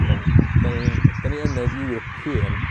'Dyn 'dyn ni'n 'dyn ni yr European